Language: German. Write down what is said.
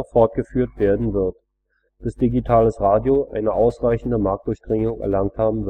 fortgeführt werden wird, bis digitales Radio eine ausreichende Marktdurchdringung erlangt haben